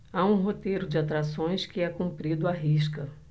há um roteiro de atrações que é cumprido à risca